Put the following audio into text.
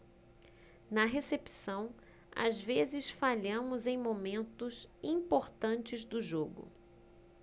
na recepção às vezes falhamos em momentos importantes do jogo